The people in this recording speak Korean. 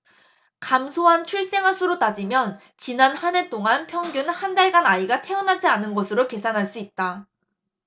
감소한 출생아 수로 따지면 지난 한 해 동안 평균 한 달간 아이가 태어나지 않은 것으로 계산할 수 있다